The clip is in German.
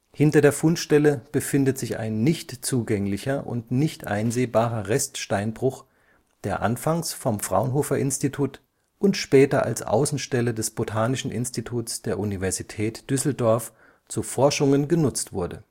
Hinter der Fundstelle befindet sich ein nicht zugänglicher und nicht einsehbarer Reststeinbruch, der anfangs vom Fraunhofer-Institut und später als Außenstelle des Botanischen Instituts der Universität Düsseldorf zu Forschungen genutzt wurde